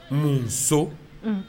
Munuso